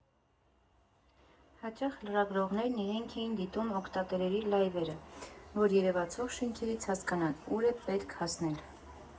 Հաճախ լրագրողներն իրենք էին դիտում օգտատերերի լայվերը, որ երևացող շենքերից հասկանան՝ ուր է պետք հասնել։